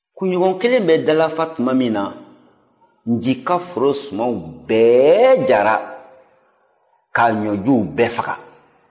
kunɲɔgɔn kelen bɛ dalafa tuma min na nci ka foro sumanw bɛɛ jara k'a ɲɔjuw bɛɛ faga